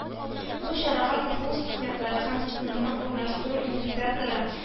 Бу чарага КэФэУ студентлары һәм сынны урнаштыру инициаторы: